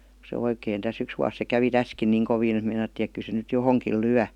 se oikein tässä yksi vuosi se kävi tässäkin niin kovin että meinattiin että kyllä se nyt johonkin lyö